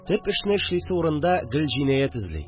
Төп эшне эшлисе урында гел җинәят эзли